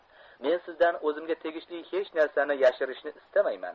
men sizdan o'zimga tegishli hech narsani yashirishni istamayman